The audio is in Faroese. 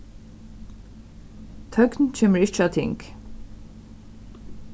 tøgn kemur ikki á ting